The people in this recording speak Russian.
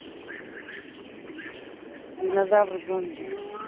динозавр зомби